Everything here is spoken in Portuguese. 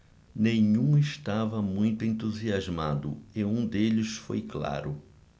nenhum estava muito entusiasmado e um deles foi claro